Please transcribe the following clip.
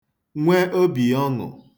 nwe obìọṅụ̀